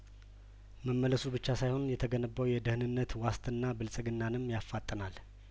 መመለሱ ብቻ ሳይሆን የተገነባው የደህንነት ዋስትና ብልጽግናንም ያፋጥናል